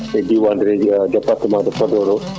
e diwan régi département de Podor o